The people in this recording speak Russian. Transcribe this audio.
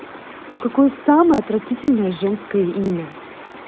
какое самое отвратительное женское имя